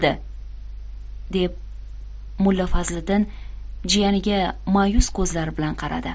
deb mulla fazliddin jiyaniga ma'yus ko'zlari bilan qaradi